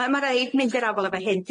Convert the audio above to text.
Ma' ma' raid mynd i'r afael efo hyn.